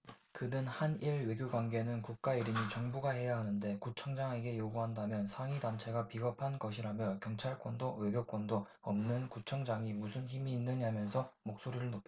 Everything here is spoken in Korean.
그는 한 일 외교관계는 국가일이니 정부가 해야하는데 구청장에게 요구한다면 상위 단체가 비겁한 것이라며 경찰권도 외교권도 없는 구청장이 무슨 힘이 있느냐면서 목소리를 높였다